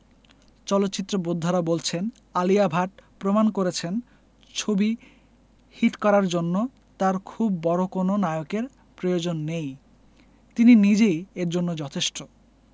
চলচ্চিত্র বোদ্ধারা বলছেন আলিয়া ভাট প্রমাণ করেছেন ছবি হিট করার জন্য তার খুব বড় কোনো নায়কের প্রয়োজন নেই তিনি নিজেই এর জন্য যথেষ্ট